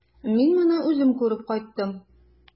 Мин моны үзем күреп кайттым.